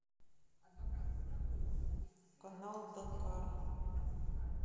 канал данкар